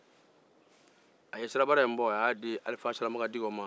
a ye sirabara in bo k'a di alafa silamakan dikɔ ma